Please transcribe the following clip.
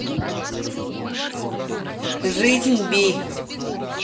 жизнь би